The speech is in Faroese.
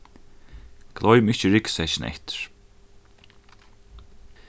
gloym ikki ryggsekkin eftir